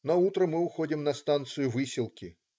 Наутро мы уходим на станцию Выселки.